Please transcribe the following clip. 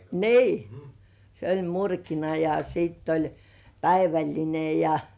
niin se oli murkina ja sitten oli päivällinen ja